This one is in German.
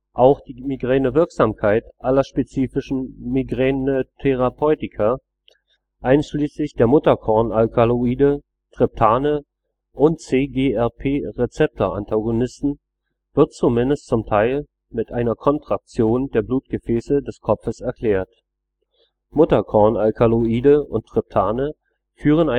Auch die Migränewirksamkeit aller spezifischen Migränetherapeutika, einschließlich der Mutterkornalkaloide, Triptane und CGRP-Rezeptorantagonisten, wird zumindest zum Teil mit einer Kontraktion der Blutgefäße des Kopfes erklärt. Mutterkornalkaloide und Triptane führen